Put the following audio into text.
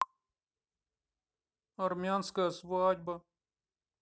армянская свадьба